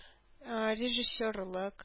Режиссерлык